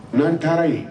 N'an taara yen